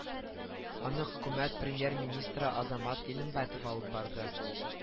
Аны хөкүмәт премьер-министры азамат илембәтов алып барды